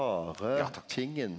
ja takk.